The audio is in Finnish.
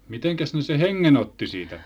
mitenkäs ne sen hengen otti siitä